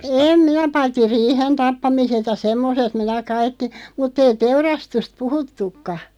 en minä paitsi riihen tappamiset ja semmoiset minä kaikki mutta ei teurastusta puhuttukaan